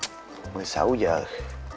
mười sáu giờ